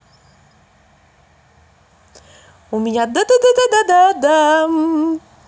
у меня да да да да да да да да да да